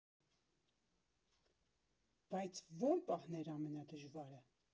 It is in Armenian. Բայց ո՞ր պահն էր ամենադժվարը։